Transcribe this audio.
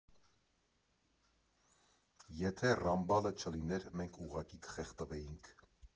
Եթե Ռամբալը չլիներ, մենք ուղղակի կխեղդվեինք։